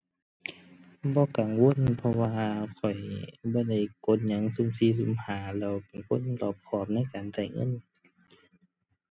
บ่กังวล เพราะว่าข้อยบ่ได้กดหยังสุ่มสี่สุ่มห้า แล้วเป็นคนรอบคอบในการใช้เงิน